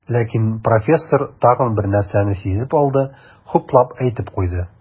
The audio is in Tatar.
Ләкин профессор тагын бер нәрсәне сизеп алды, хуплап әйтеп куйды.